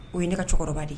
O ye ne ka cɛkɔrɔba de ye